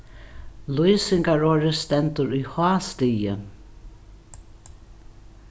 lýsingarorðið stendur í hástigi